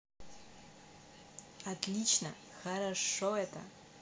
отлично хорошо это